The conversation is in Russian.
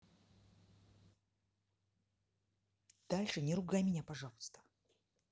дальше не ругай меня пожалуйста